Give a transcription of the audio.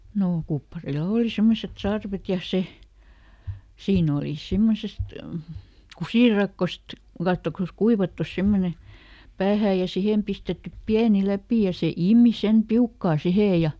no kupparilla oli semmoiset sarvet ja se siinä oli semmoisesta kusirakosta katsokaas kuivattu semmoinen päähään ja siihen pistetty pieni läpi ja se imi sen piukkaan siihen ja